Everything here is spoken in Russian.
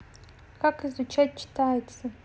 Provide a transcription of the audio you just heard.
как изучать читается